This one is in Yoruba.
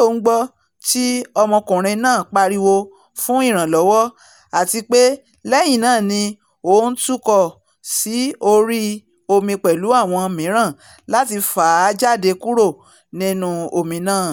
òun gbọ́ tí ọmọkùnrin náà ńpariwo fún ìrànlọ́wọ́ àtipé lẹ́yìn náà ni òun tukọ̀ s’órí omi pẹ̀lú àwọn ̣́miran láti fà á jade kúrô nínú omi náà.